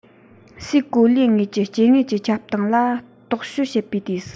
སའི གོ ལའི ངོས ཀྱི སྐྱེ དངོས ཀྱི ཁྱབ སྟངས ལ རྟོག དཔྱོད བྱེད པའི དུས སུ